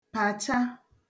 pàcha